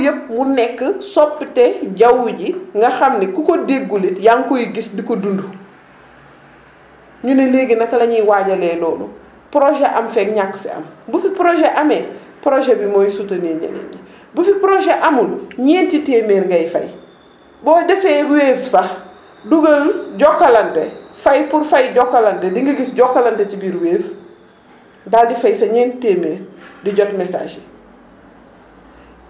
donc loolu yëpp mu nekk soppite jaww ji nga xam ne ku ko déggul it yaa ngi koy gis di ko dund ñu ne léegi naka la ñuy waajalee loolu projet am feeg ñàkk fi am bu fi projet amee projet bi mooy soute, ir ñeneen ñi bu fi projet amul ñeenti téeméer ngay fay boo defee Wave sax duggal Jokalante fay pour fay Jokalante di nga gis Jokalante ci biir Wave daal di fay sa ñeenti téeméer di jot message